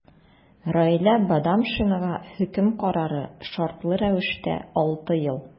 Раилә Бадамшинага хөкем карары – шартлы рәвештә 6 ел.